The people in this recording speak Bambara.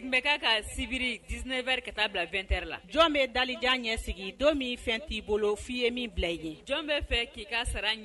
Bɛ k'a kan sibiri 19 heures ka ta' bila 20 heures jɔn bɛ dalijan ɲɛ sigi don min fɛn t'i bolo f'i ye min bila yen? Jɔn bɛ fɛ k'i ka sara ɲɛ?